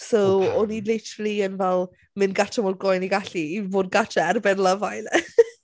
So... o pam? ...o'n i literally yn fel mynd gatref mor glou a o'n i'n gallu er mwyn bod gatref erbyn Love Island.